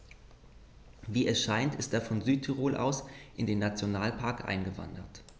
Wie es scheint, ist er von Südtirol aus in den Nationalpark eingewandert.